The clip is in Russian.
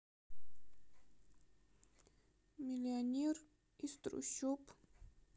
миллионер из трущоб